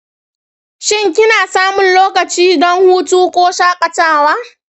shin kina samun lokaci don hutu ko shakatawa?